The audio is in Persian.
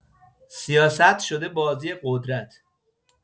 سیاست شده بازی قدرت.